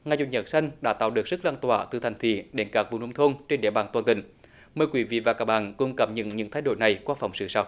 ngày chủ nhật xanh đã tạo được sức lan tỏa từ thành thị đến các vùng nông thôn trên địa bàn toàn tỉnh mời quý vị và các bạn cùng cảm nhận những thay đổi này qua phóng sự sau